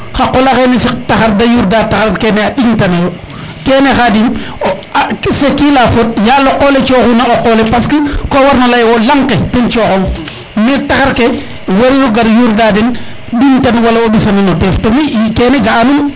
xa qola xene siq taxar de yurda taxar kene a in tano yo kene Khadim a c' est qui la faute yal o qol le coxuna o qol le parce que ko warno leye wo laŋ ke coxong mais taxar ke wari ro gar yurda den liñ tan wala o mbisanan o teef to mi kene ga a num